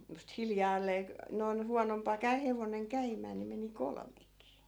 kun sitten hiljalleen - noin huonompaa - hevonen käymään niin meni kolmekin